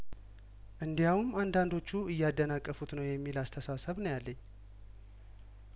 እንዲያውም አንዳንዶቹ እያደናቀፉት ነው የሚል አስተሳሰብ ነው ያለኝ